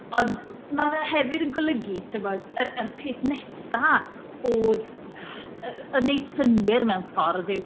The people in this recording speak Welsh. Ond ma' 'na hefyd yn golygu, tibod, y y peth nesaf oedd yn wneud synnwyr mewn ffordd...